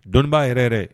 Dɔnnibaa yɛrɛ yɛrɛ